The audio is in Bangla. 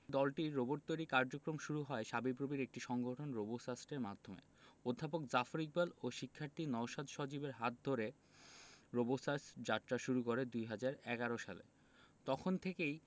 দলটির রোবট তৈরির কার্যক্রম শুরু হয় শাবিপ্রবির একটি সংগঠন রোবোসাস্টের মাধ্যমে অধ্যাপক জাফর ইকবাল ও শিক্ষার্থী নওশাদ সজীবের হাত ধরে রোবোসাস্ট যাত্রা শুরু করে ২০১১ সালে তখন থেকেই